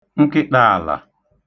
nkịtāàlà